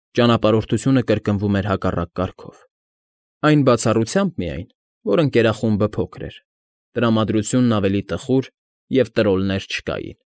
Ճանապարհորդությունը կրկնվում էր հակառակ կարգով, այն բացառությամբ միայն, որ ընկերախումբը փոքր էր, տրամադրությունն ավելի տխուր և տրոլներ չկային։